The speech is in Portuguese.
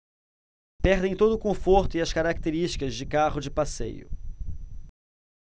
perdem todo o conforto e as características de carro de passeio